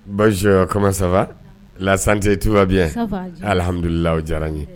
Bazo kamaman saba lasante tubi alihamdulila diyara n ye